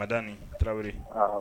Madani Tarawele. Awɔ.